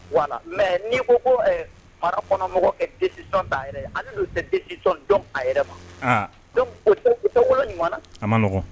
voilà. Mais n'i ko ko ɛ mara kɔnɔ mɔgɔ ka décision ta yɛrɛ ye. Ale te décision dɔn a yɛrɛ ma . Donc o te wolo ɲuma na. A man nɔgɔ.